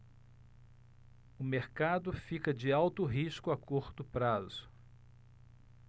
o mercado fica de alto risco a curto prazo